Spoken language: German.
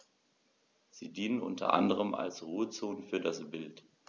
Sie dienen unter anderem als Ruhezonen für das Wild.